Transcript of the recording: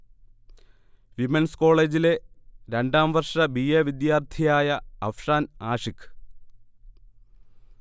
Women's കോളേജിലെ രണ്ടാം വർഷ ബി. എ. വിദ്യാർഥിയായ അഫ്ഷാൻ ആഷിഖ്